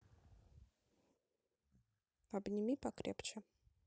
обними покрепче